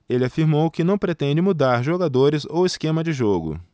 ele afirmou que não pretende mudar jogadores ou esquema de jogo